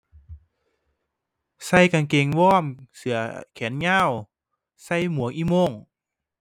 ใส่กางเกงวอร์ม เสื้อแขนยาว ใส่หมวกอีโม่ง